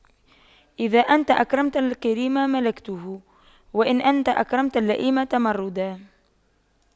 إذا أنت أكرمت الكريم ملكته وإن أنت أكرمت اللئيم تمردا